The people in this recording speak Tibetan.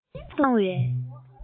བར དུ འཚང བའི